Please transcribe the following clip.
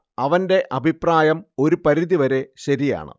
അവന്റെ അഭിപ്രായം ഒരു പരിധി വരെ ശരിയാണ്